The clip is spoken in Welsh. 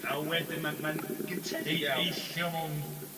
A wedyn mae'n mae'n gynta ei eillio mown